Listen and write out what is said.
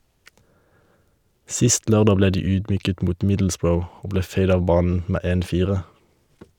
Sist lørdag ble de ydmyket mot Middlesbrough , og ble feid av banen med 1-4.